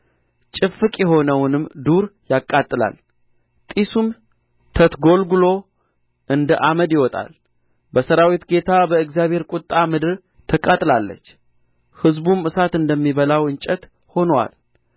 ጭፍቅ የሆነውንም ዱር ያቃጥላል ጢሱም ተትጐልጕሎ እንደ ዓምድ ይወጣል በሠራዊት ጌታ በእግዚአብሔር ቍጣ ምድር ተቃጥላለች ሕዝቡም እሳት እንደሚበላው እንጨት ሆኖአል